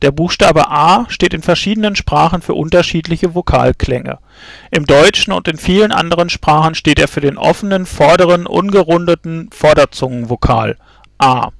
Buchstabe A steht in verschiedenen Sprachen für unterschiedliche Vokalklänge. Im Deutschen und vielen anderen Sprachen steht er für den offenen vorderen ungerundeten Vorderzungenvokal [a